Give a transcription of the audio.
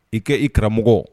I kɛ i karamɔgɔ